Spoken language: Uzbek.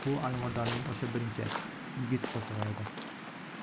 bu alimardonning o'sha birinchi yigit qo'shig'i edi